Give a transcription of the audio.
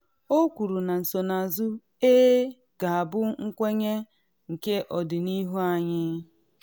O kwuru na nsonaazụ “ee” ga-abụ “nkwenye nke ọdịnihu anyị.”